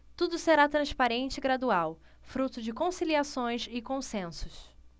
tudo será transparente e gradual fruto de conciliações e consensos